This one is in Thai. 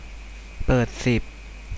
เปิดสิบ